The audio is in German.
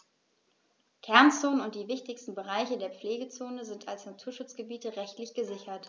Kernzonen und die wichtigsten Bereiche der Pflegezone sind als Naturschutzgebiete rechtlich gesichert.